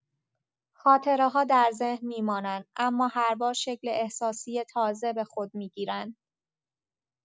خاطره‌ها در ذهن می‌مانند اما هر بار شکل احساسی تازه به خود می‌گیرند.